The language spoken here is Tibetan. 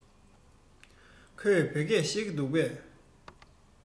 ཁོས བོད སྐད ཤེས ཀྱི འདུག གས